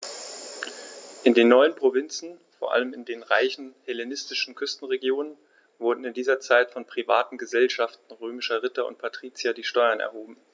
In den neuen Provinzen, vor allem in den reichen hellenistischen Küstenregionen, wurden in dieser Zeit von privaten „Gesellschaften“ römischer Ritter und Patrizier die Steuern erhoben.